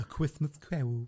Y Kwithmeth Cew.